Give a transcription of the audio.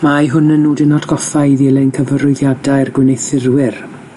Mae hwn yn nodyn atgoffa i ddilyn cyfarwyddiadau'r gwneithurwyr,